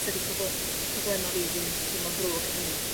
tydi proble- problema fi ddim ddim mor ddrwg â hynny.